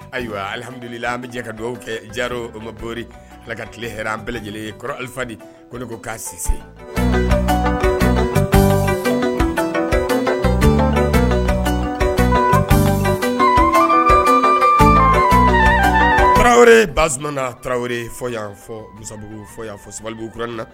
Ayiwa alihamdulila an bɛ ka dugawu kɛ jaro o mabori ala ka tile h an bɛɛ lajɛlen kɔrɔ alifadi ko ne ko k' sise tarawele bas na tarawele mu fɔ sababuuranin na